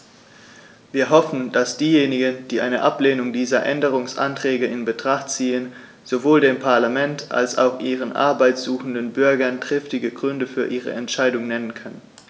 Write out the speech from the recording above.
Wir hoffen, dass diejenigen, die eine Ablehnung dieser Änderungsanträge in Betracht ziehen, sowohl dem Parlament als auch ihren Arbeit suchenden Bürgern triftige Gründe für ihre Entscheidung nennen können.